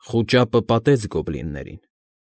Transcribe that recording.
Խուճապը պատեց գոբլիններին։